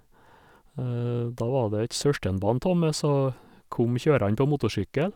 Da var det et søskenbarn tå meg som kom kjørende på motorsykkel.